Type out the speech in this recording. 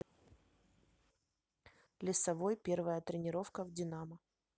лесовой первая тренировка в динамо